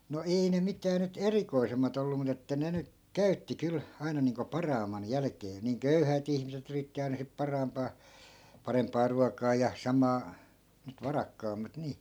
no ei ne mitään nyt erikoisemmat ollut mutta että ne nyt käytti kyllä aina niin kuin parhaimman jälkeen niin köyhät ihmiset yritti aina sitten parhaimpaa parempaa ruokaa ja samaa nyt varakkaammat niin